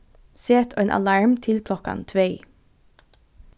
set ein alarm til klokkan tvey